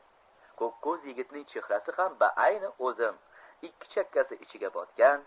ko'kko'z yigitning chehrasi ham baayni o'zim ikki chakkasi ichiga botgan